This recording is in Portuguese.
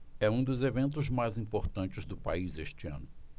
é um dos eventos mais importantes do país este ano